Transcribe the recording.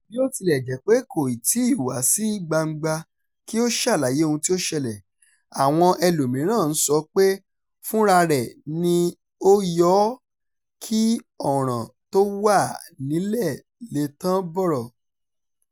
Bíótilẹ̀jẹ́pé kòì tíì wá sí gbangba kí ó ṣàlàyé ohun tí ó ṣẹlẹ̀, àwọn ẹlòmíràn ń sọ pé fúnra rẹ̀ ni ó yọ ọ́ kí ọ̀ràn tó wà nílẹ̀ lè tán bọ̀rọ̀.